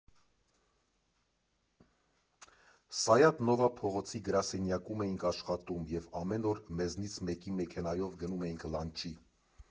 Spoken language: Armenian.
Սայաթ֊Նովա փողոցի գրասենյակում էինք աշխատում և ամեն օր մեզնից մեկի մեքենայով գնում էինք լանչի։